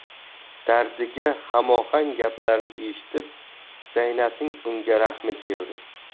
dardiga hamohang gaplarni eshitib zaynabning unga rahmi keldi